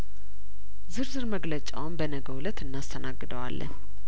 ዝርዝር መግለጫውን በነገው እለት እናስተና ግደ ዋለን